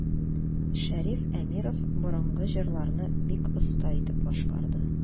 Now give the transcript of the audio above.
Шәриф Әмиров борынгы җырларны бик оста итеп башкарды.